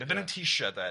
Be' bynnag tisio, de?